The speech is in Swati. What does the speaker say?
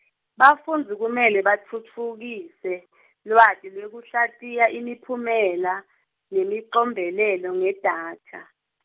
bafundzi kumele batfutfukise, lwati lwekuhlatiya imiphumela, nemicombelelo ngedatha.